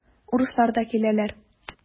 Урыслар да киләләр.